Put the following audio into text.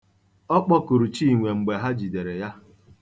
Ọ kpọkuru Chinwe mgbe ha jidere ya.